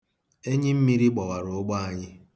Enyimmiri gbawara ụgbọ anyị.